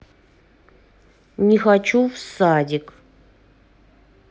не хочу в садик